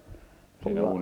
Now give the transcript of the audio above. -